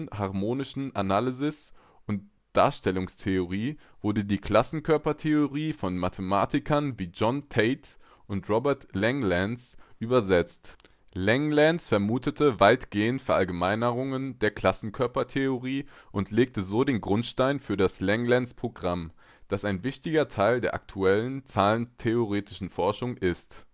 harmonischen Analysis und Darstellungstheorie wurde die Klassenkörpertheorie von Mathematikern wie John Tate und Robert Langlands übersetzt. Langlands vermutete weitgehende Verallgemeinerungen der Klassenkörpertheorie und legte so den Grundstein für das Langlands-Programm, das ein wichtiger Teil der aktuellen zahlentheoretischen Forschung ist